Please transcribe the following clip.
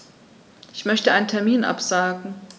Ich möchte einen Termin absagen.